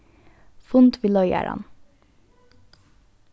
fund við leiðaran